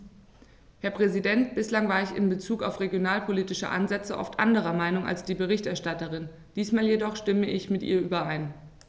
Herr Präsident, bislang war ich in bezug auf regionalpolitische Ansätze oft anderer Meinung als die Berichterstatterin, diesmal jedoch stimme ich mit ihr überein.